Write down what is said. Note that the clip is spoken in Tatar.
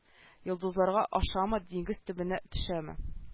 Йолдызларга ашамы диңгез төбенә төшәме